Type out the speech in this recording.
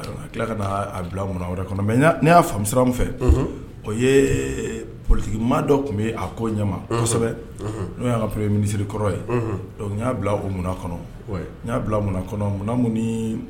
Bila munna wɛrɛ mɛ ne y'a faamumu fɛ o ye politigi ma dɔ tun bɛ a ko ɲɛ n'o y' ye minisiriri kɔrɔ ye n'a bila o munna kɔnɔ n y'a bila munna kɔnɔ munna minnu